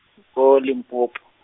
ko Limpopo.